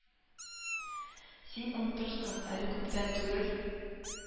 Син онтырсың әле күптән түгел